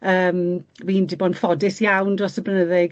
Yym fi'n 'di bod yn ffodus iawn dros y blynydde i